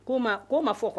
Ko ma ko ma fɔ kuwa